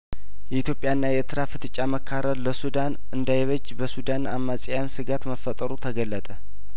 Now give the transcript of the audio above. የኢትዮጵያ ና የኤርትራ ፍጥጫ መካረር ለሱዳን እንዳይበጅ በሱዳን አማጺያን ስጋት መፈጠሩ ተገለጠ